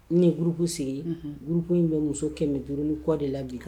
Ni ye gurukuseuruku in bɛ muso kɛmɛ duuru ni de labɛnbila